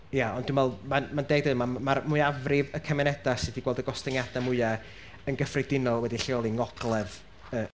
Ia ond dwi'n meddwl ma'n ma'n deg deud dydi, ma' ma'r mwyafrif o'r cymunedau sydd 'di gweld y gostyngiadau mwya yn gyffredinol wedi'u lleoli ngogledd yy